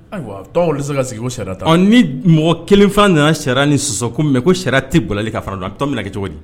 Ayiwa a se ka sigi o tan ni mɔgɔ kelenfa nana sariya ni sɔsɔ ko mɛ ko sariya tɛ gli ka fara dɔn a to min na cogo di